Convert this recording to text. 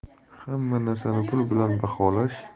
hamma narsani pul bilan baholash